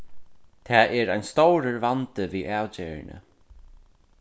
tað er ein stórur vandi við avgerðini